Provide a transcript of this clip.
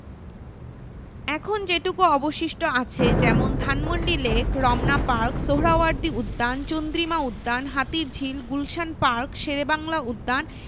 এখন যেটুকু অবশিষ্ট আছে যেমন ধানমন্ডি লেক রমনা পার্ক সোহ্রাওয়ার্দী উদ্যান চন্দ্রিমা উদ্যান হাতিরঝিল গুলশান পার্ক শেরেবাংলা উদ্যান